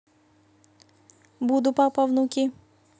буду папа внуки